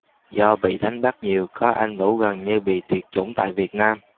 do bị đánh bắt nhiều cá anh vũ gần như bị tuyệt chủng tại việt nam